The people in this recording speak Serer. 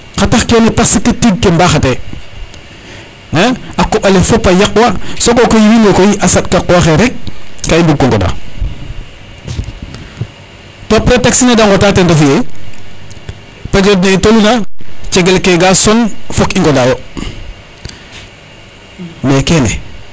xa tax kene parce que tiid ke mbaxate a koɓale fop a xaqwa soko koy wiin we koy a saɗ ka koxe rek ka i mbugko ngoda to pretexte ne de ngota ten refuye periode ne i toluna cegel ke ga son fok i ngoda yo mais kene